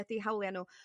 ydi hawlia' n'w